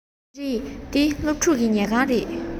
རེད འདི སློབ ཕྲུག གི ཉལ ཁང རེད